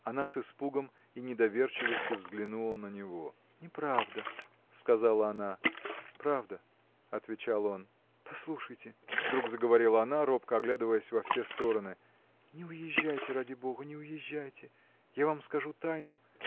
Она с испугом и недоверчивостью взглянула на него. – Неправда, – сказала она. – Правда! – отвечал он. – Послушайте! – вдруг заговорила она робко оглядываясь во все стороны – не уезжайте ради бога не уезжайте! я вам скажу тайну.